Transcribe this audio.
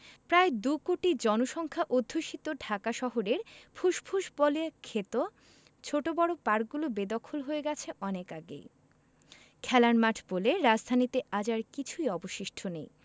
প্রায় দুকোটি জনসংখ্যা অধ্যুষিত ঢাকা শহরের ফুসফুস বলে খ্যাত ছোট বড় পার্কগুলো বেদখল হয়ে গেছে অনেক আগেই খেলার মাঠ বলে রাজধানীতে আজ আর কিছু অবশিষ্ট নেই